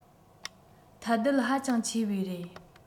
ཐལ རྡུལ ཧ ཅང ཆེ བའི རེད